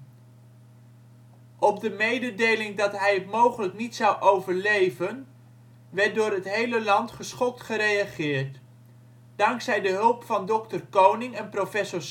de mededeling dat hij het mogelijk niet zou overleven werd door het hele land geschokt gereageerd. Dankzij de hulp van dokter Koning en professor